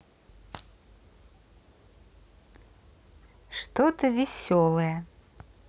что то веселое